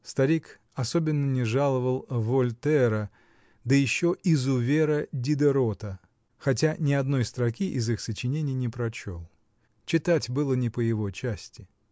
Старик особенно не жаловал Вольтера да еще "изувера" Дидерота, хотя ни одной строки из их сочинений не прочел: читать было не по его части.